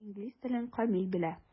Инглиз телен камил белә.